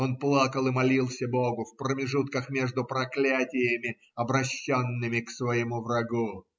Он плакал и молился Богу в промежутках между проклятиями, обращенными к своему врагу.